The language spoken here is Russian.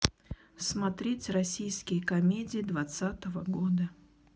смотреть российские комедии двадцатого года